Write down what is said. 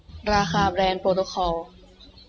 ราคาแบรนด์โปรโตคอล